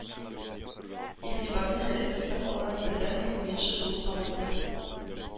Игътибарны җәлеп итә алган бердәнбер уенчы булып танылды.